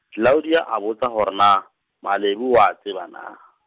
Claudia a botsa hore na, Malebo o a tseba na?